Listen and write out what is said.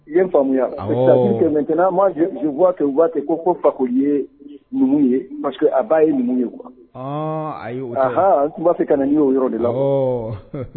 I ye n faamuya awɔɔ c'est à dire que maintenant moi je je vois que u b'a ke ko ko Fakoli yee numu ye parce que a ba ye numu ye quoi ɔɔɔn ayi o anhan tun b'a fɛ kana n'i ye o yɔrɔ de la quoi awɔɔ